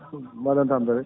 mbaɗon tampere